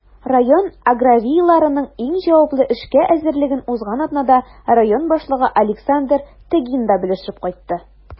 Район аграрийларының иң җаваплы эшкә әзерлеген узган атнада район башлыгы Александр Тыгин да белешеп кайтты.